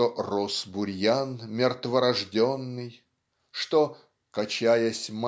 что "рос бурьян мертворожденный" что "качаясь